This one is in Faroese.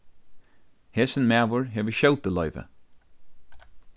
hesin maður hevur skjótiloyvi